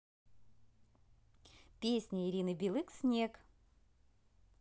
песня ирины билык снег